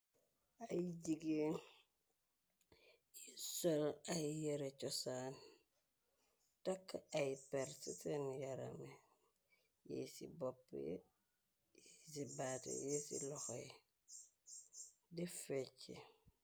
Ay jiggéen yu sol ay yëre cosaan takke ay per ci sen yarame yi ye ci boppye ye ci baateye ye ci loxo ye de feecce.